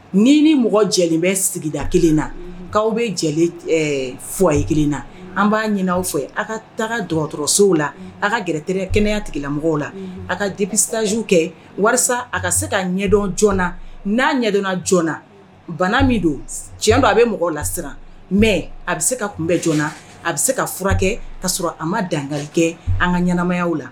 Ni ni mɔgɔ jɛ bɛ sigida kelen na' aw bɛ fgrin na an b'a ɲinin fɔ ye aw ka taga dɔgɔtɔrɔsow la aw ka gɛrɛt kɛnɛyaya tigila mɔgɔw la aw ka dibitajw kɛ walasa a ka se ka ɲɛdɔn joona n'a ɲɛdɔnna bana min don tiɲɛ don a bɛ mɔgɔw la siran mɛ a bɛ se ka kunbɛn joona a bɛ se ka furakɛ kɛ ka sɔrɔ a ma dangakɛ an ka ɲɛnɛmaya la